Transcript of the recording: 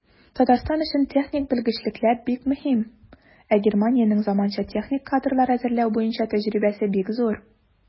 Татарстан өчен техник белгечлекләр бик мөһим, ә Германиянең заманча техник кадрлар әзерләү буенча тәҗрибәсе бик зур.